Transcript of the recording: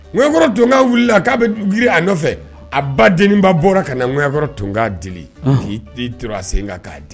Ŋkɔrɔ to wili k'a bɛ g a nɔfɛ a ba deninba bɔra ka na ŋkɔrɔ to'a deli k' tora sen ka k'a di